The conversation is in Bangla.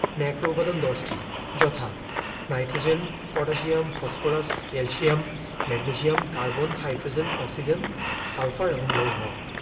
ম্যাক্রোউপাদান ১০ টি যথা nitrogen potassium phosphorus calcium magnesium carbon hydrogen oxygen sulphur এবং লৌহ